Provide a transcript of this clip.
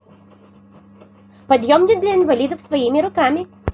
подъемник для инвалидов своими руками